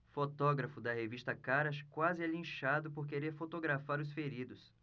fotógrafo da revista caras quase é linchado por querer fotografar os feridos